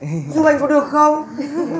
giúp anh có được không